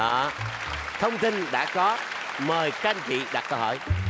đó thông tin đã có mời các vị đặt câu hỏi